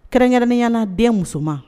Kɛrɛnyrɛninyaana den musoman ma